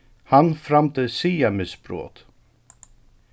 hann framdi siðamisbrot